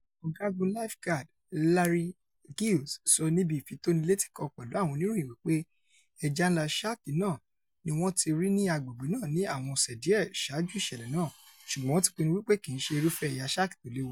Ọ̀gágun Lifeguard LarrycGiles sọ níbi ìfitónilétí kan pẹ̀lú àwọn oníròyìn wípé ẹja ńlá sáàkì náà ni wọ́n ti rí ní agbègbè̀ náà ní àwọn ọ̀sẹ̀ díẹ̀ saájú ìṣẹ̀lẹ́ náà, ṣùgbọ́n wọ́n ti pinnu wípé kìí ṣe irufẹ́ ẹ̀yà sáàkì tó léwu.